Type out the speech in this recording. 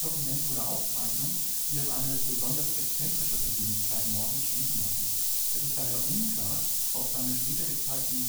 Dokumente oder Aufzeichnungen, die auf eine besonders exzentrische Persönlichkeit Nortons schließen lassen. Es ist daher unklar, ob seine später gezeigten